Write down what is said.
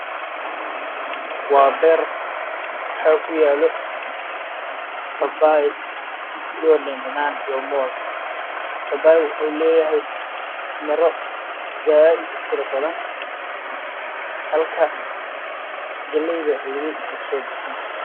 Waa beer waxaa ku yaalo baabay liin dhanan iyo moos